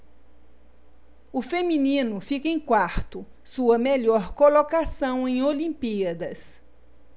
o feminino fica em quarto sua melhor colocação em olimpíadas